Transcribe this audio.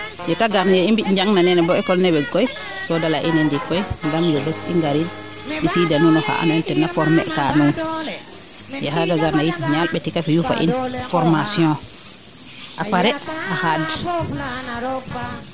yaate garna i mbi i njang na neene bo ecole ne weg koy soo de leya ine ndiik koy ndam yo bes i ngariid mbissida nuun oxaa ando naye tena former kaa nuun yee xaaga garna yit ñaal ɓetika fiyu fo in formation a pare a xaad